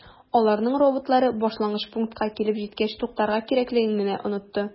Аларның роботлары башлангыч пунктка килеп җиткәч туктарга кирәклеген генә “онытты”.